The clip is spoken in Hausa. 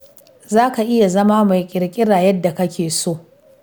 Za ka iya zama mai ƙirƙira yadda kake so.